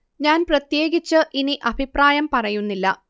ഞാൻ പ്രത്യേകിച്ച് ഇനി അഭിപ്രായം പറയുന്നില്ല